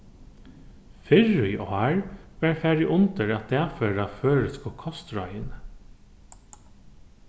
fyrr í ár varð farið undir at dagføra føroysku kostráðini